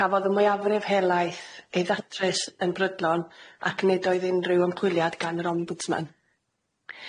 Cafodd y mwyafrif helaeth ei ddatrys yn brydlon ac nid oedd unrhyw ymchwiliad gan yr ombudsman.